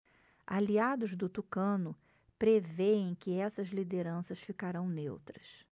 aliados do tucano prevêem que essas lideranças ficarão neutras